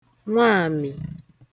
nwaàmì